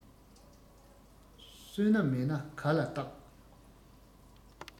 བསོད ནམས མེད ན ག ལ རྟག